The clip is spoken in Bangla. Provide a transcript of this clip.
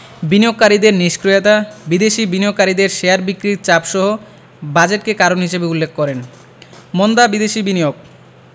বিনিয়োগকারীদের নিষ্ক্রিয়তা বিদেশি বিনিয়োগকারীদের শেয়ার বিক্রির চাপসহ বাজেটকে কারণ হিসেবে উল্লেখ করেন মন্দা বিদেশি বিনিয়োগ